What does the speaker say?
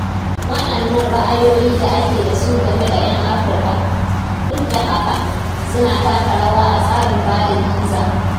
Waɗannan ra'ayoyi da ake da su game da 'yan Afirka, duk da haka, su na taka rawa a tsarin ba da biza: